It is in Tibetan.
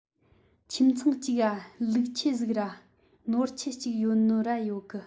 ཁྱིམ ཚང གཅིག ག ལུག ཁྱུ ཟིག ར ནོར ཁྱུ གཅིག ཡོད ནོ ར ཡོད གི